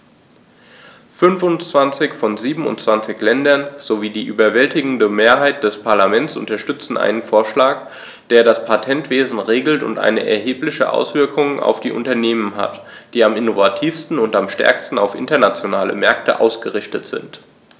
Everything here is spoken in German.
Fünfundzwanzig von 27 Ländern sowie die überwältigende Mehrheit des Parlaments unterstützen einen Vorschlag, der das Patentwesen regelt und eine erhebliche Auswirkung auf die Unternehmen hat, die am innovativsten und am stärksten auf internationale Märkte ausgerichtet sind.